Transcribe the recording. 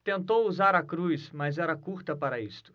tentou usar a cruz mas era curta para isto